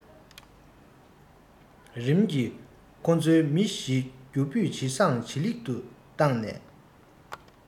རིམ གྱིས ཁོ ཚོའི མི གཞིའི རྒྱུ སྤུས ཇེ བཟང ཇེ ལེགས སུ བཏང ནས